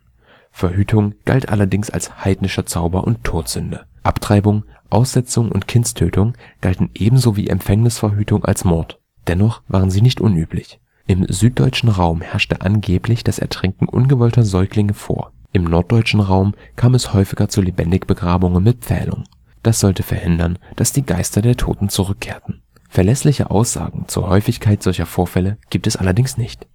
Verhütung galt allerdings als heidnischer Zauber und Todsünde. Abtreibung, Aussetzung und Kindstötung galten ebenso wie Empfängnisverhütung als Mord. Dennoch waren sie nicht unüblich. Im süddeutschen Raum herrschte angeblich das Ertränken ungewollter Säuglinge vor. Im norddeutschen Raum kam es häufiger zu Lebendigbegrabungen mit Pfählung. Das sollte verhindern, dass die Geister der Toten zurückkehrten. Verlässliche Aussagen zur Häufigkeit solcher Vorfälle gibt es allerdings nicht